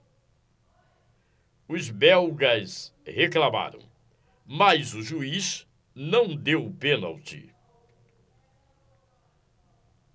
os belgas reclamaram mas o juiz não deu o pênalti